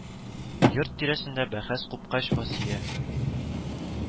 Йорт тирәсендә бәхәс купкач, Асия